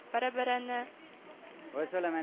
Бәрабәренә